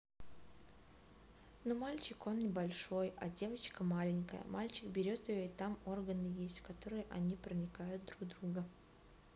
ну мальчик он большой а девочка маленькая мальчик берет ее и там органы есть в которые они проникают друг друга